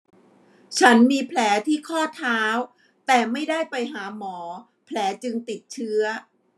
ฉันมีแผลที่ข้อเท้าแต่ไม่ได้ไปหาหมอแผลจึงติดเชื้อ